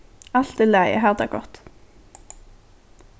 alt í lagi hav tað gott